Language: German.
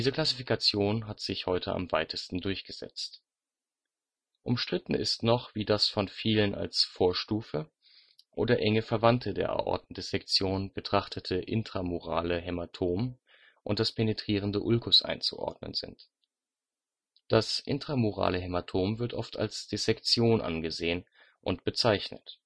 Klassifikation hat sich heute am weitesten durchgesetzt. Umstritten ist noch, wie das von vielen als „ Vorstufe “oder „ enge Verwandte “der Aortendissektion betrachtete intramurale Hämatom (IMH) und das penetrierende Ulkus einzuordnen sind. Das IMH wird oft als Dissektion angesehen und bezeichnet